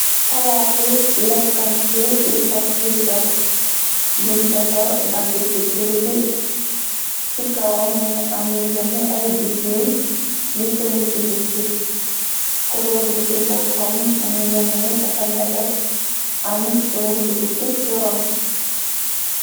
Palaatu lekkantu yu safsukër buñ defar dàgg ci tuuti, ci kawa mëngi amlu menni ay biddiw yi sungu ci bukki, koloor bi ci boppam mangi menni defar nate am sung ci bukki siron